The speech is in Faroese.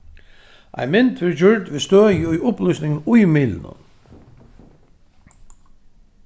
ein mynd verður gjørd við støði í upplýsingunum í miðlunum